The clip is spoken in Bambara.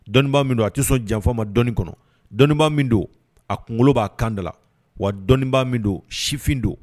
Dɔnibaa min don a tɛ sɔn janfa ma dɔni kɔnɔ dɔnibaa min don a kunkolo b'a kan dala wa dɔnibaa min don sifin don